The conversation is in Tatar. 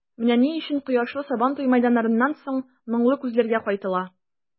Менә ни өчен кояшлы Сабантуй мәйданнарыннан соң моңлы күзләргә кайтыла.